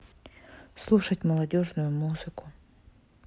слушать молодежную музыку